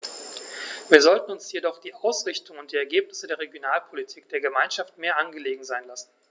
Wir sollten uns jedoch die Ausrichtung und die Ergebnisse der Regionalpolitik der Gemeinschaft mehr angelegen sein lassen.